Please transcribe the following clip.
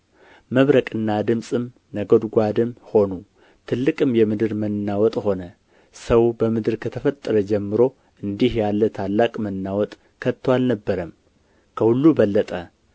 መብረቅና ድምጽም ነጎድጓድም ሆኑ ትልቅም የምድር መናወጥ ሆነ ሰው በምድር ከተፈጠረ ጀምሮ እንዲህ ያለ ታላቅ መናውጥ ከቶ አልነበረም ከሁሉ በለጠ